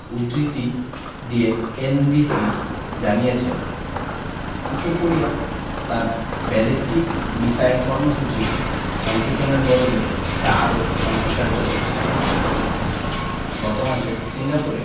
উদ্ধৃতি দিয়ে এনবিসি জানিয়েছেন উত্তর কোরিয়া তার ব্যালিস্টিক মিসাইল কর্মসূচি সংকোচনের বদলে তা আরও সম্প্রসারিত করছে গত মাসে সিঙ্গাপুরে